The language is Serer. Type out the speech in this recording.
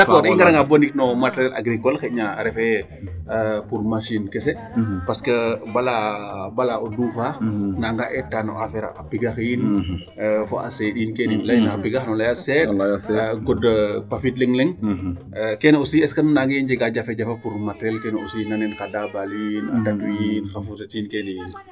D' accord i ngarangaa boo ndiik no matériel agricole xaƴna refee pour machine kese parce que bala o duufaa nangaa eetaa no affaire a pigaxiin fo a seeɗiin keene yiin Layna a pigax xano lay a seeɗ gon pafit leŋ leŋ keene aussi ;fra est ce que nu naangee njegaa jafe jafe pour matériel keene aussi nand nen xa dabaali yiin ndatu yiin xa fourchette iin keene yiin?